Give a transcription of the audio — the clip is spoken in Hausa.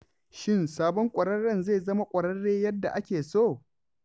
Shin sabon ƙwararren zai zama ƙwararre yadda ake so?